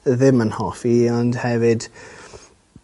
yy ddim yn hoffi ond hefyd